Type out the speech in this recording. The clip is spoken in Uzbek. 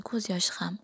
ko'z yoshi ham